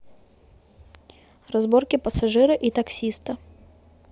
разборки пассажира и таксиста